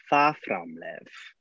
Far from, love